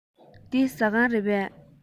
འདི ཟ ཁང རེད པས